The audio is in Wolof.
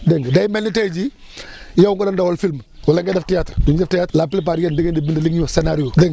dégg nga day mel ni tey jii yow nga doon dawal film wala ngay def théatre su ñuy def théatre la plus part yéen da ngeen di bind li ñuy wax scénario dégg nga